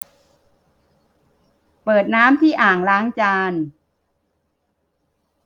เปิดน้ำที่อ่างล้างจาน